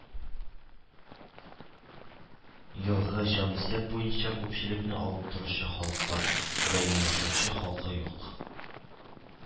Елгы җанисәп буенча күпчелекне алып торучы халыклар: даими яшәүче халкы юк